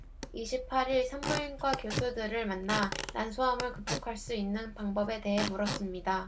이십 팔 일 산부인과 교수들을 만나 난소암을 극복할 수 있는 방법에 대해 물었습니다